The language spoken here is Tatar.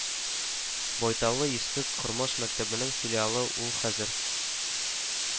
Байталлы Иске Кормаш мәктәбенең филиалы, ул хәзер